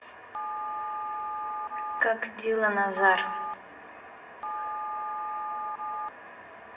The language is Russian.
как дилана зар